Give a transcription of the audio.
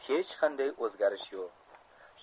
hech qanday o'zgarish yo'q